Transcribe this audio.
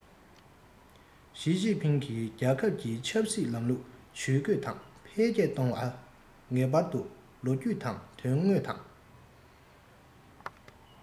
ཞིས ཅིན ཕིང གིས རྒྱལ ཁབ ཀྱི ཆབ སྲིད ལམ ལུགས ཇུས བཀོད དང འཕེལ རྒྱས གཏོང བར ངེས པར དུ ལོ རྒྱུས དང དོན དངོས དང